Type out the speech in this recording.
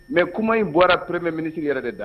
Mais kuma in bɔra premier ministre yɛrɛ de da.